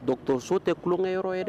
Do dɔgɔtɔrɔso tɛ tulonkɛ yɔrɔ yɛrɛ dɛ